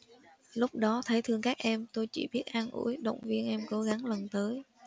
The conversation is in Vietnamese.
lúc đó thấy thương các em tôi chỉ biết an ủi động viên em cố gắng lần tới